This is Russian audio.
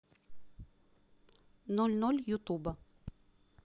ноль ноль ютуба